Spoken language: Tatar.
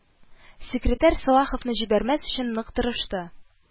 Секретарь Салаховны җибәрмәс өчен нык тырышты